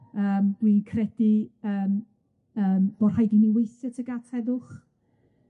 Yym dwi'n credu yym yym bo' rhaid i ni weithio tuag at heddwch.